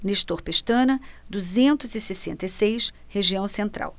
nestor pestana duzentos e sessenta e seis região central